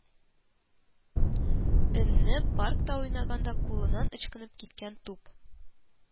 Өнне паркта уйнаганда, кулыннан ычкынып киткән туп